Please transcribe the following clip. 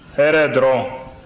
hɛrɛ dɔrɔn